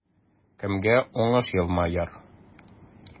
Кемгә уңыш елмаер?